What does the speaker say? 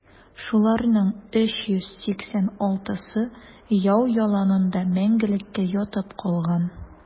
Шуларның 386-сы яу яланында мәңгелеккә ятып калган.